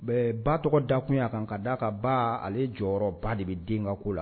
Mɛ ba tɔgɔ da tun ye a kan ka d da a ka ba ale jɔyɔrɔ ba de bɛ den kako la